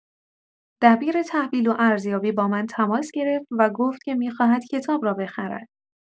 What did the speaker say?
دبیر تحویل و ارزیابی، با من تماس گرفت و گفت که می‌خواهد کتاب را بخرد.